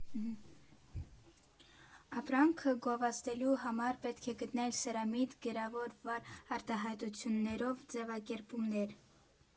Ապրանքը գովազդելու համար պետք է գտնել սրամիտ, գրավող վառ արտահայտություններով ձևակերպումներ։